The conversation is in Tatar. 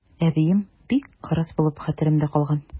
Әбием бик кырыс булып хәтеремдә калган.